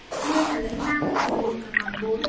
nên là lấy là khoảng